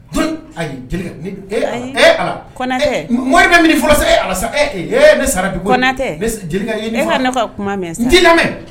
E alatɛ mori min fɔlɔ ala ni sara dugutɛ e kuma mɛn' lamɛnmɛ